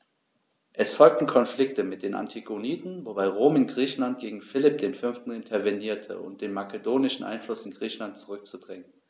Es folgten Konflikte mit den Antigoniden, wobei Rom in Griechenland gegen Philipp V. intervenierte, um den makedonischen Einfluss in Griechenland zurückzudrängen.